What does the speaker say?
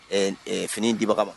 Ɛɛ fini diba ka ma